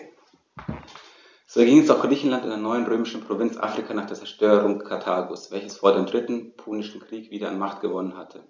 So erging es auch Griechenland und der neuen römischen Provinz Afrika nach der Zerstörung Karthagos, welches vor dem Dritten Punischen Krieg wieder an Macht gewonnen hatte.